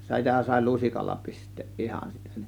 sitä sai lusikalla pistää ihan sitten